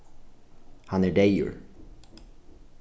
hann er deyður